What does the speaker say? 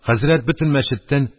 Хәзрәт бөтен мәсҗедтән